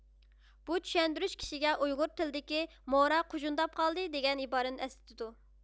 بۇ چۈشەندۈرۈش كىشىگە ئۇيغۇر تىلىدىكى مورا قۇژۇنداپ قالدى دېگەن ئىبارىنى ئەسلىتىدۇ